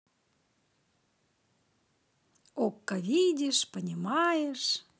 okko видишь понимаешь